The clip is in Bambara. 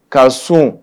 Ka sun.